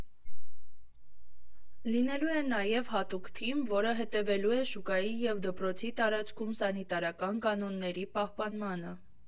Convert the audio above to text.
Լինելու է նաև հատուկ թիմ, որը հետևելու է շուկայի և դպրոցի տարածքում սանիտարական կանոնների պահպանմանը։